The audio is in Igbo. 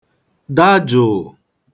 da jụ̀ụ̀